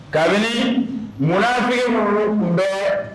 Kabini munaafiku minunu tun bɛ